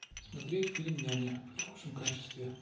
смотреть фильм няня в хорошем качестве